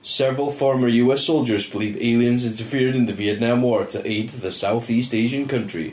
Several former US soldiers believe aliens interfered in the Vietnam War to aid the southeast Asian country.